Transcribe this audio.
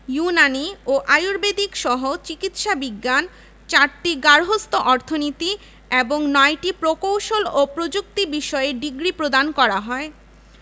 ১৯৯৪ সালে জাতীয় বিশ্ববিদ্যালয় প্রতিষ্ঠার এক ঘোষণাবলে ঢাকা বিশ্ববিদ্যালয়সহ অন্যান্য বিশ্ববিদ্যালয়ের অধিভুক্ত কলেজসমূহ